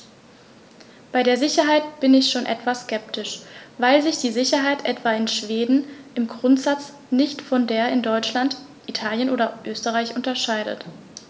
Bei der Sicherheit bin ich schon etwas skeptisch, weil sich die Sicherheit etwa in Schweden im Grundsatz nicht von der in Deutschland, Italien oder Österreich unterscheidet.